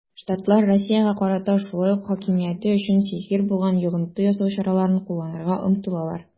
Штатлар Россиягә карата шулай ук үз хакимияте өчен сизгер булган йогынты ясау чараларын кулланырга омтылалар.